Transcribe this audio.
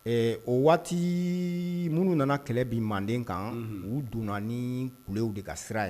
Ee o waati minnu nana kɛlɛ bi manden kan u donna ni kulew de ka sira ye